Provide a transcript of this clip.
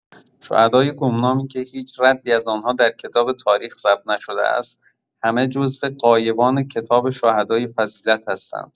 شهدای گمنامی که هیچ ردی از آنها در کتاب تاریخ ثبت‌نشده است، همه جزو غایبان کتاب شهدای فضیلت هستند.